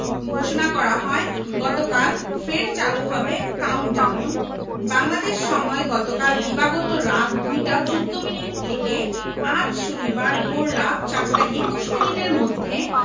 ঘোষণা করা হয় গতকাল ফের চালু হবে কাউন্টডাউন বাংলাদেশ সময় গতকাল দিবাগত রাত ২টা ১৪ মিনিট থেকে আজ শনিবার ভোররাত ৪টা ২১ মিনিটের মধ্যে